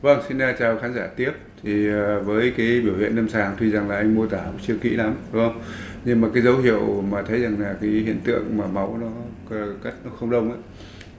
vâng xin chào khán giả tiếc thì với cái biểu hiện lâm sàng tuy rằng là anh mô tả chưa kỹ lắm đúng không nhưng mà cái dấu hiệu mà thấy rằng là cái hiện tượng mà máu nó cắt nó không đông ý